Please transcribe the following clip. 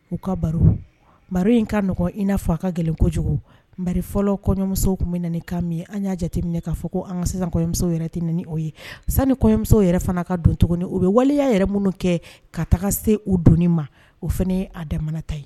U ka baro baro in kaɔgɔn in n'a fɔ a ka gɛlɛn kojugu mari fɔlɔ kɔmusow tun bɛ na kami ye an y'a jateminɛ k'a fɔ ko an ka sisan kɔ kɔɲɔmusow yɛrɛ tɛ ni o ye san ni kɔɲɔmusow yɛrɛ fana ka don tuguni u bɛ wali y'a yɛrɛ minnu kɛ ka taga se u doni ma o fana ye a danmana ta ye